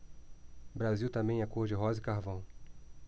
o brasil também é cor de rosa e carvão